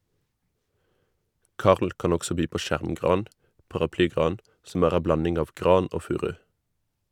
Karl kan også by på skjermgran (paraplygran), som er ei blanding av gran og furu.